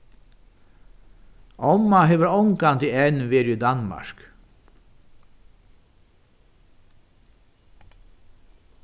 omma hevur ongantíð enn verið í danmark